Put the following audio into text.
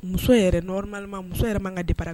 Muso yɛrɛ muso yɛrɛ man ka d para